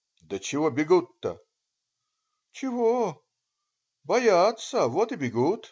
- "Да чего бегут-то?" - "Чего? Боятся - вот и бегут.